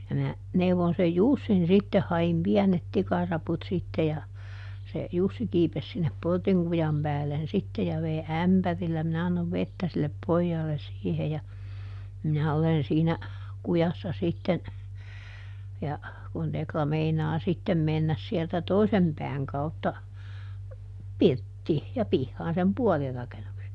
ja minä neuvoin sen Jussin sitten hain pienet tikaraput sitten ja se Jussi kiipesi sinne portin kujan päälle sitten ja vei ämpärillä minä annoin vettä sille pojalle siihen ja minä olen siinä kujassa sitten ja kun Tekla meinaa sitten mennä sieltä toisen pään kautta pirttiin ja pihaan sen puolen rakennuksen